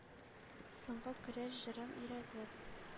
Соңгы көрәш җырын өйрәтеп.